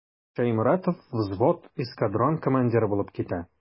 Шәйморатов взвод, эскадрон командиры булып китә.